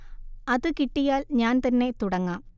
അത് കിട്ടിയാൽ ഞാൻ തന്നെ തുടങ്ങാം